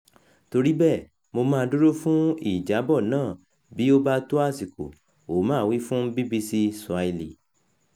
Toríi bẹ́ẹ̀, mo máa dúró fún ìjábọ̀ náà bí ó bá tó àsìkò, Ouma wí fún BBC Swahili.